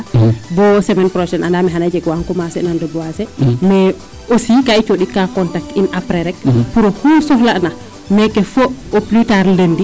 Bo semaine prochaine andaam me xana njeg waa commencer na reboiser mais aussi kaa i cooɗitkaa contact in aprés rek pour oxuu soxla'na me ke fo au plus tard lundi.